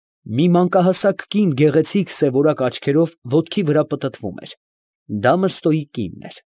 Մի մանկահասակ կին գեղեցիկ սևորակ աչքերով ոտքի վրա պտտվում էր ֊ դա Մըստոյի կինն էր։